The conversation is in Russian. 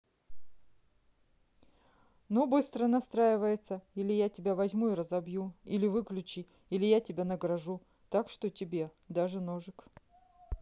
ну быстро настраивается или я тебя возьму и разобью или выключи и я тебя награжу так что тебе даже ножик